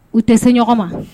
U tɛ se ɲɔgɔn ma